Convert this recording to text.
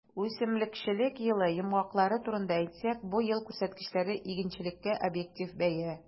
Үсемлекчелек елы йомгаклары турында әйтсәк, бу ел күрсәткечләре - игенчелеккә объектив бәя.